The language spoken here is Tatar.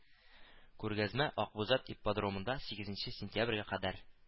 Күргәзмә Акбузат ипподромында сигезенче сентябрьгә кадәр